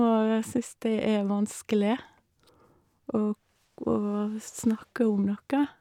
Og jeg syns det er vanskelig å ko å snakke om noe.